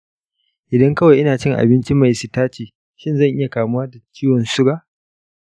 idan kawai ina cin abinci mai sitaci, shin zan iya kamuwa da ciwon suga?